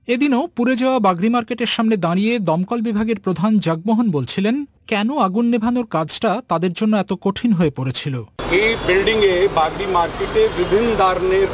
এদিনও পুড়ে যাওয়া বাবরি মার্কেটের সামনে দাঁড়িয়ে দমকল বিভাগ এর প্রধান জাগমোহন বলছিলেন কেন আগুন নেভানোর কাজ টা তাদের জন্য এত কঠিন হয়ে পড়েছিল এই বিল্ডিং এ বাগরি মার্কেট এর বিভিন্ন ধরনের